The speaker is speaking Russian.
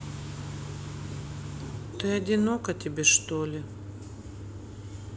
ты одинока тебе чтоли